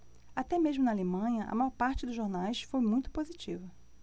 até mesmo na alemanha a maior parte dos jornais foi muito positiva